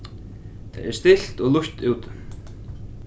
tað er stilt og lýtt úti